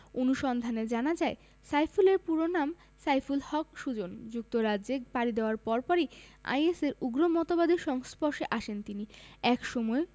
অনুসন্ধানে জানা যায় সাইফুলের পুরো নাম সাইফুল হক সুজন যুক্তরাজ্যে পাড়ি দেওয়ার পর পরই আইএসের উগ্র মতবাদের সংস্পর্শে আসেন তিনি একসময়